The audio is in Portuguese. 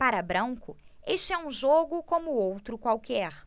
para branco este é um jogo como outro qualquer